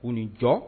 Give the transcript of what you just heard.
U ni jɔ